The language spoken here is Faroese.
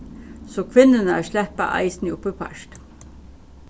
so kvinnurnar sleppa eisini upp í part